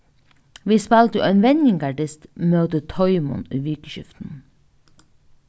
vit spældu ein venjingardyst móti teimum í vikuskiftinum